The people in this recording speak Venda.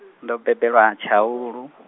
ndo bebelwa Tshaulu.